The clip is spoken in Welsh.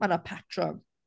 Mae 'na patrwm.